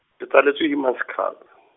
ke tsaletswe Humanskraal.